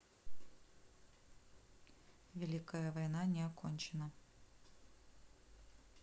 великая война не окончена